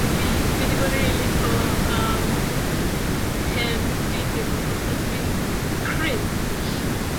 fi, fi dim yn rili lico yym hen fideos achos fi'n cringe.